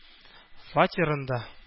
Фатирында